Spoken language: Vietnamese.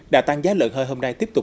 đà tăng giá lợn hơi hôm nay tiếp tục